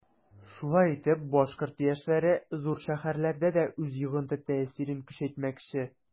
Шулай итеп башкорт яшьләре зур шәһәрләрдә дә үз йогынты-тәэсирен көчәйтмәкче.